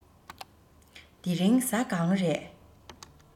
དེ རིང གཟའ གང རས